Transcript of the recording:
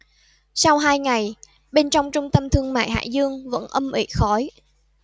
sau hai ngày bên trong trung tâm thương mại hải dương vẫn âm ỉ khói